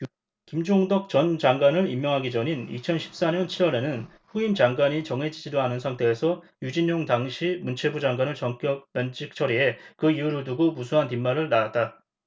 김종덕 전 장관을 임명하기 전인 이천 십 사 년 칠 월에는 후임 장관이 정해지지도 않은 상태에서 유진룡 당시 문체부 장관을 전격 면직 처리해 그 이유를 두고 무수한 뒷말을 낳았다